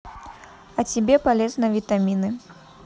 а тебе полезно витамины